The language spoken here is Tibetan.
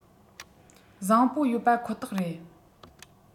བཟང པོ ཡོད པ ཁོ ཐག རེད